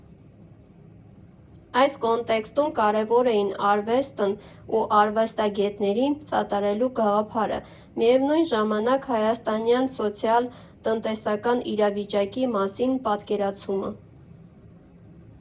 Այս կոնտեքստում կարևոր էին արվեստն ու արվեստագետներին սատարելու գաղափարը, միևնույն ժամանակ՝ Հայաստանյան սոցիալ֊տնտեսական իրավիճակի մասին պատկերացումը։